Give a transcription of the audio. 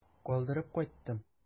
Калдырып кайттым.